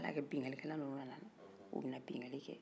ala y'an kɛ binkali kɛla nunu nana u bɛna binkali kɛ